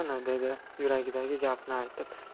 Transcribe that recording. dedi yuragidagi gapni aytib